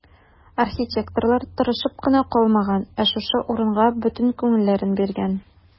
Архитекторлар тырышып кына калмаган, ә шушы урынга бөтен күңелләрен биргән.